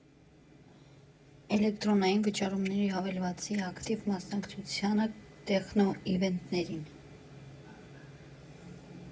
Էլեկտրոնային վճարումների հավելվածի ակտիվ մասնակցությունը տեխնո իվենթներին։